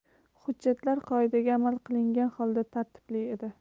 hujjatlar qoidaga amal qilingan holda tartibli edi